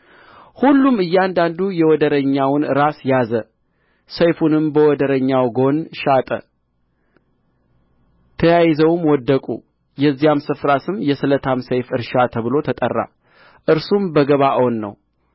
ሁሉም እያንዳንዱ የወደረኛውን ራስ ያዘ ሰይፉንም በወደረኛው ጎን ሻጠ ተያይዘውም ወደቁ የዚያም ስፍራ ስም የስለታም ሰይፍ እርሻ ተብሎ ተጠራ እርሱም በገባዖን ነው